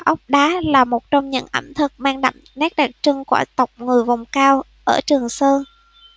ốc đá là một trong những ẩm thực mang đậm nét đặc trưng của tộc người vùng cao ở trường sơn